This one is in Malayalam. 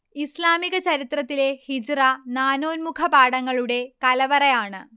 ഇസ്ലാമിക ചരിത്രത്തിലെ ഹിജ്റ നാനോന്മുഖ പാഠങ്ങളുടെ കലവറയാണ്